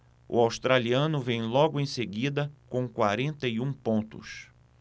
o australiano vem logo em seguida com quarenta e um pontos